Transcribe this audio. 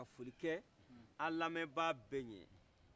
ka folikɛ an lamɛnbaga bɛ ye